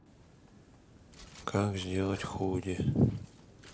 как сделать худи